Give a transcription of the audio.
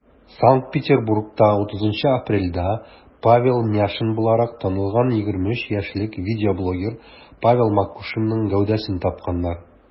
Санкт-Петербургта 30 апрельдә Павел Няшин буларак танылган 23 яшьлек видеоблогер Павел Макушинның гәүдәсен тапканнар.